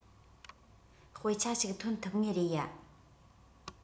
དཔེ ཆ ཞིག ཐོན ཐུབ ངེས རེད ཡ